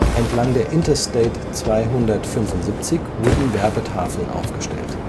Entlang der Interstate 275 wurden Werbetafeln aufgestellt